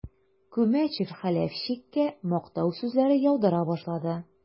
Күмәчев Хәләфчиккә мактау сүзләре яудыра башлады.